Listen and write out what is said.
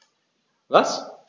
Was?